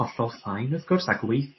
holloffain wrth gwrs ag